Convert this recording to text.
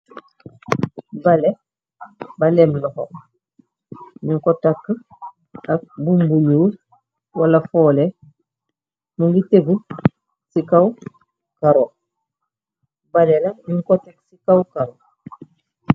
baleh baleh lokho nyung ko taka ak buum bu nyoul wala foleh nyung ko tek ci kaw karo baaleh la nyung ko tek ci kaw karo